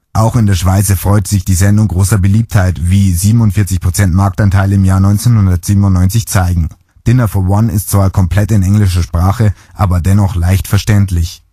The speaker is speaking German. Auch in der Schweiz erfreut sich die Sendung großer Beliebtheit, wie 47 Prozent Marktanteil im Jahre 1997 zeigen. Dinner for One ist zwar komplett in englischer Sprache, aber dennoch leicht verständlich